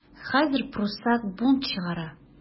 Хәзер пруссак бунт чыгара.